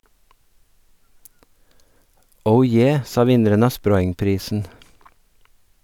Oh yeah, sa vinneren av Sproingprisen.